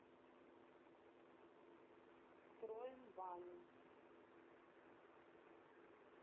строим баню